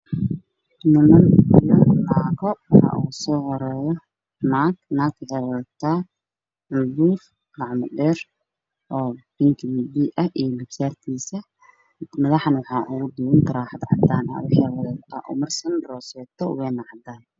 Niman iyo naago waxa u soo horrayn naag waxay wadataa abaayad gaduud ahayd iyo cad caddaan ah iyo roseto ayaa umarsan